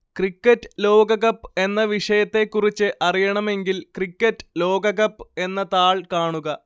cricket ലോകകപ്പ് എന്ന വിഷയത്തെക്കുറിച്ച് അറിയണമെങ്കില്‍ ക്രിക്കറ്റ് ലോകകപ്പ് എന്ന താള്‍ കാണുക